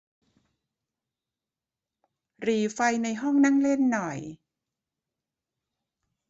หรี่ไฟในห้องนั่งเล่นหน่อย